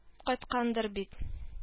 Кайткандыр бит